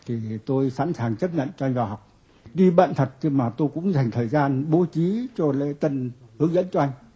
thì tôi sẵn sàng chấp nhận cho anh vào học tuy bận thật nhưng mà tôi cũng dành thời gian bố trí cho lễ tân hướng dẫn cho anh